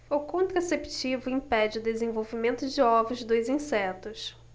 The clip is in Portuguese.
o contraceptivo impede o desenvolvimento de ovos dos insetos